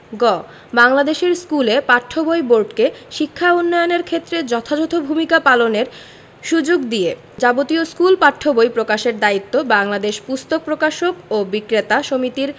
গ বাংলাদেশের স্কুলে পাঠ্য বই বোর্ডকে শিক্ষা উন্নয়নের ক্ষেত্রে যথাযথ ভূমিকা পালনের সুযোগ দিয়ে যাবতীয় স্কুল পাঠ্য বই প্রকাশের দায়িত্ব বাংলাদেশ পুস্তক প্রকাশক ও বিক্রেতা সমিতির